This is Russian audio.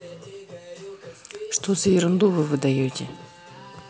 что за ерунду вы выдаете